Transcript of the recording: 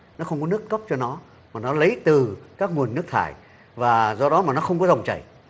nó không có nước cấp cho nó mà nó lấy từ các nguồn nước thải và do đó mà nó không có dòng chảy